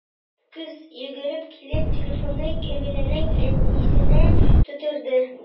Кыз, йөгереп килеп, телефонны Камилнең әнисенә тоттырды.